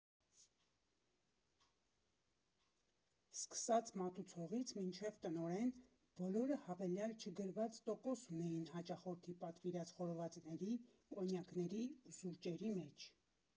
Սկսած մատուցողից մինչև տնօրեն՝ բոլորը հավելյալ չգրված տոկոս ունեին հաճախորդի պատվիրած խորովածների, կոնյակների ու սուրճերի մեջ։